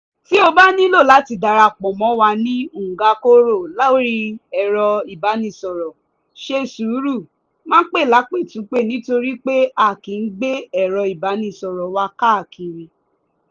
"Tí o bá nílò láti dara pọ̀ mọ́ wa ni Ngakoro lórí ẹ̀rọ ìbánisọ̀rọ̀, ṣe sùúrù, máa pè lápètúnpè nítorí pé a kìí gbé ẹ̀rọ ìbánisọ̀rọ̀ wa káàkiri.